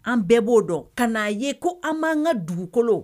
An bɛɛ b'o dɔn ka n'a ye ko an b'an ka dugukolo